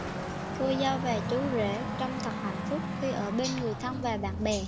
cô dâu và chú rể trông thật hạnh phúc khi ở bên người thân và bạn bè